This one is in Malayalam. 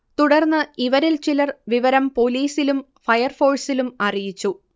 തുടർന്ന് ഇവരിൽ ചിലർ വിവരം പൊലീസിലും ഫയർഫോഴ്സിലും അറിയിച്ചു